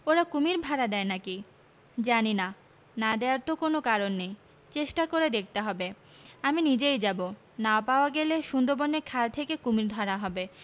ওরা কুমীর ভাড়া দেয় না কি জানি না না দেওয়ার তো কোন কারণ নেই চেষ্টা করে দেখতে হবে আমি নিজেই যাব না পাওয়া গেলে সুন্দরবনের খাল থেকে কুমীর ধরা হবে